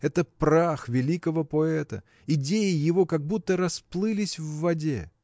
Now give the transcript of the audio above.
Это прах великого поэта: идеи его как будто расплылись в воде.